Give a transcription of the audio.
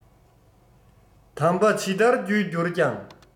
དམ པ ཇི ལྟར རྒྱུད གྱུར ཀྱང